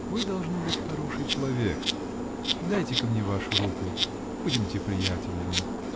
Вы, должно быть, хороший человек. Дайте-ка мне вашу руку. Будемте приятелями.